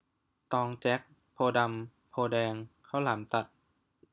ตองแจ็คโพธิ์ดำโพธิ์แดงข้าวหลามตัด